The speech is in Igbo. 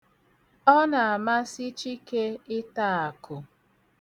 Ọ na-amasị Chike ịta akụ.